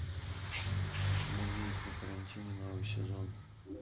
нагиев на карантине новый сезон